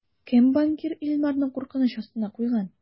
Кем банкир Илмарны куркыныч астына куйган?